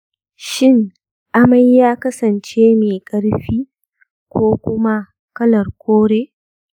shin amai ya kasance mai ƙarfi ko kuma kalar kore?